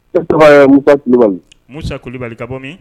Saba musa kulubali musali kulubali ka bɔ min